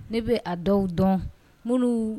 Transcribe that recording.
Ne bɛ a dɔw dɔn minnu